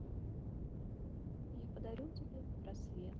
я подарю тебе рассвет